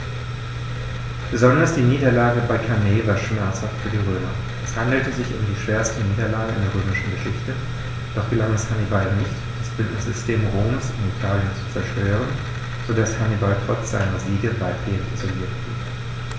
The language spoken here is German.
Besonders die Niederlage bei Cannae war schmerzhaft für die Römer: Es handelte sich um die schwerste Niederlage in der römischen Geschichte, doch gelang es Hannibal nicht, das Bündnissystem Roms in Italien zu zerstören, sodass Hannibal trotz seiner Siege weitgehend isoliert blieb.